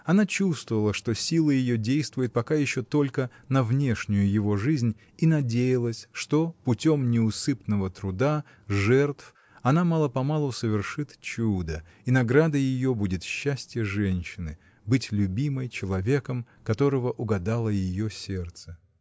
Она чувствовала, что сила ее действует, пока еще только на внешнюю его жизнь, и надеялась, что, путем неусыпного труда, жертв, она мало-помалу совершит чудо — и наградой ее будет счастье женщины — быть любимой человеком, которого угадало ее сердце.